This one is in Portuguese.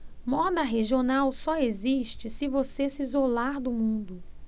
moda regional só existe se você se isolar do mundo